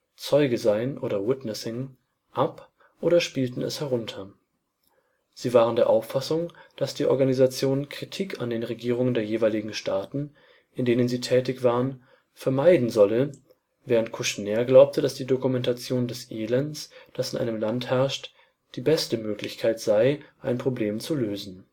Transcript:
Zeuge sein “oder witnessing) ab oder spielten es herunter. Sie waren der Auffassung, dass die Organisation Kritik an den Regierungen der jeweiligen Staaten, in denen sie tätig waren, vermeiden solle, während Kouchner glaubte, dass die Dokumentation des Elends, das in einem Land herrscht, die beste Möglichkeit sei, ein Problem zu lösen